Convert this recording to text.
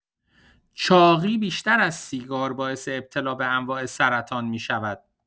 چاقی بیشتر از سیگار باعث ابتلا به انواع سرطان می‌شود.